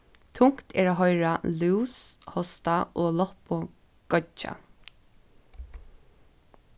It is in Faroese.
tungt er at hoyra lús hosta og loppu goyggja